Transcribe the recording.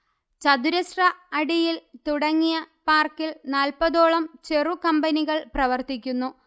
ചതുരശ്ര അടിയിൽ തുടങ്ങിയ പാർക്കിൽ നാല്പതോളം ചെറുകമ്പനികൾ പ്രവർത്തിക്കുന്നു